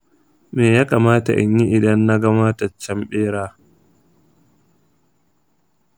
me ya kamata in yi idan na ga mataccen bera?